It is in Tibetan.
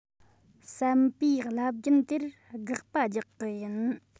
བསམ པའི རླབས རྒྱུན དེར དགག པ རྒྱག གི ཡིན